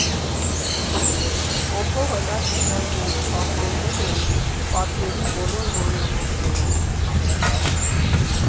Կոթողը լավ վիճակում է, պահպանվել են պատկերի բոլոր մանրամասները։